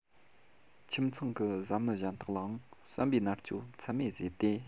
ཁྱིམ ཚང གི བཟའ མི གཞན དག ལའང བསམ པའི མནར གཅོད ཚད མེད བཟོས ཏེ